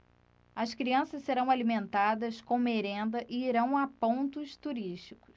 as crianças serão alimentadas com merenda e irão a pontos turísticos